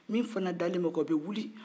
min fana dalen b'o kan o bɛ wuli